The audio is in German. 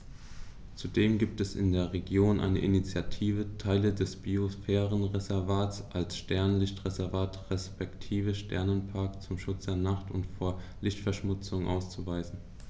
Zudem gibt es in der Region eine Initiative, Teile des Biosphärenreservats als Sternenlicht-Reservat respektive Sternenpark zum Schutz der Nacht und vor Lichtverschmutzung auszuweisen.